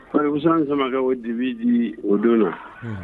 Musan sama kɛ o dibi di o don na